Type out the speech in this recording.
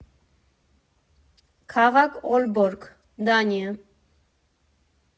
Քաղաք՝ Օլբորգ, Դանիա։